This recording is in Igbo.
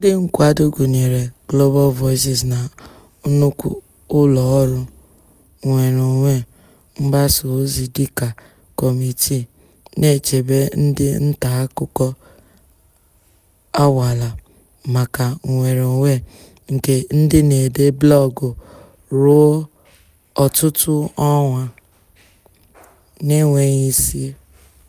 Ndị nkwado gụnyere Global Voices na nnukwu ụlọọrụ nnwereonwe mgbasaozi dịka Kọmitii na-echebe ndị ntaakụkọ anwaala maka nnwereonwe nke ndị na-ede blọọgụ ruo ọtụtụ ọnwa, n'enweghị isi.